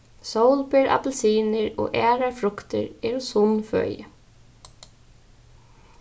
sólber appilsinir og aðrar fruktir eru sunn føði